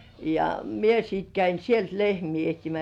ja minä sitten kävin sieltä lehmiä etsimässä